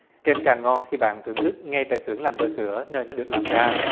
kem càng ngon khi bản thưởng thức ngay tải xưởng làm bơ sửa nơi nó được làm ra